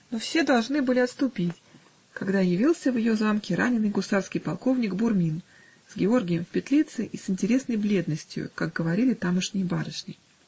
Но все должны были отступить, когда явился в ее замке раненый гусарский полковник Бурмин, с Георгием в петлице и с интересной бледностию, как говорили тамошние барышни.